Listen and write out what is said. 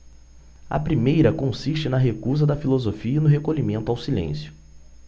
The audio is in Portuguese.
a primeira consiste na recusa da filosofia e no recolhimento ao silêncio